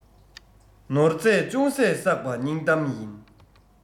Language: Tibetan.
ནོར རྫས ཅུང ཟད བསགས པ སྙིང གཏམ ཡིན